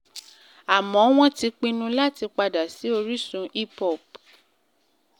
Àmọ́ wọ́n tí pinnu láti padà sí orísun hip hop.